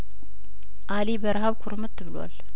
አሊ በረሀብ ኩርምት ብሏል